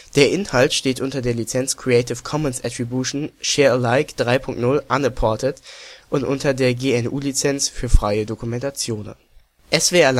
Inhalt steht unter der Lizenz Creative Commons Attribution Share Alike 3 Punkt 0 Unported und unter der GNU Lizenz für freie Dokumentation. SWR